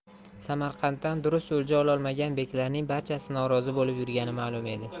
samarqanddan durust o'lja ololmagan beklarning barchasi norozi bo'lib yurgani malum edi